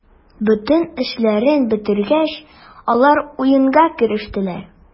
Бөтен эшләрен бетергәч, алар уенга керештеләр.